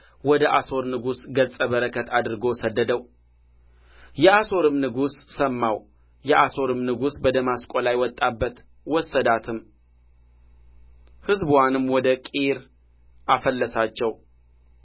ወደ አሦር ንጉሥ ገጸ በረከት አድርጎ ሰደደው የአሦርም ንጉሥ ሰማው የአሦርም ንጉሥ በደማስቆ ላይ ወጣባት ወሰዳትም ሕዝብዋንም ወደ ቂር አፈለሳቸው